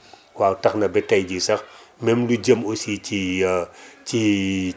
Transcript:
waaw tax na ba tey jii sax même lu jëm aussi ci ci